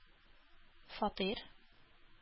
Фатир